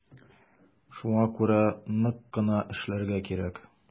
Шуңа күрә нык кына эшләргә кирәк.